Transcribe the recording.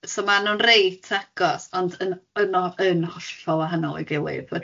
So ma' nhw'n reit agos ond yn yno yn hollol wahanol i'w gilydd wedyn.